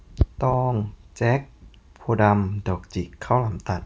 ตองเจ็ดโพธิ์ดำดอกจิกข้าวหลามตัด